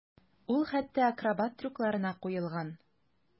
Ул хәтта акробат трюкларына куелган.